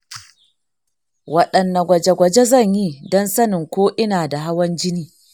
waɗanne gwaje-gwaje zan yi don sanin ko ina da hawan jini?